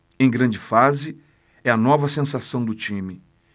em grande fase é a nova sensação do time